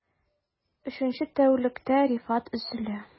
Өченче тәүлектә Рифат өзелә...